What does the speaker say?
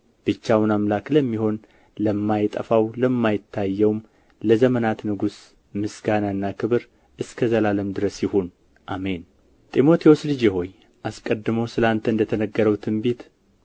ብቻውን አምላክ ለሚሆን ለማይጠፋው ለማይታየውም ለዘመናት ንጉሥ ምስጋናና ክብር እስከ ዘላለም ድረስ ይሁን አሜን ጢሞቴዎስ ልጄ ሆይ አስቀድሞ ስለ አንተ እንደ ተነገረው ትንቢት